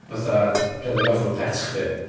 fatha rhedeg off efo pet chdi...